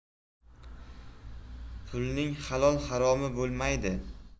pulning halol haromi bo'lmaydi